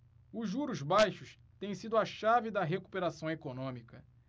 os juros baixos têm sido a chave da recuperação econômica